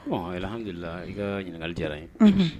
Bon alihamudulila i ka ɲininkakali diyara ye, unhun